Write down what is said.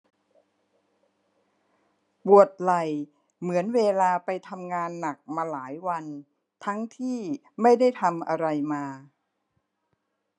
ปวดไหล่เหมือนเวลาไปทำงานหนักมาหลายวันทั้งที่ไม่ได้ทำอะไรมา